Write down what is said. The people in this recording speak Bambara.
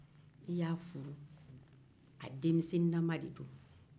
i y'a denmisɛnninnama de furu